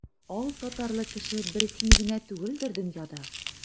Алтатарлы кеше бер син генә түгелдер дөньяда.